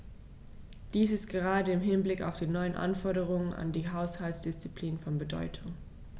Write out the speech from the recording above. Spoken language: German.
Dies ist gerade im Hinblick auf die neuen Anforderungen an die Haushaltsdisziplin von Bedeutung.